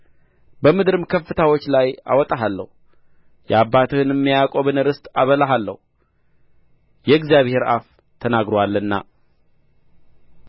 በምድርም ከፍታዎች ላይ አወጣሃለሁ የአባትህንም የያዕቆብን ርስት አበላሃለሁ የእግዚአብሔር አፍ ተናግሮአልና